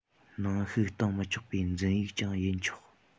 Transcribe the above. ནང བཤུག བཏང མི ཆོག པའི འཛིན ཡིག ཀྱང ཡིན ཆོག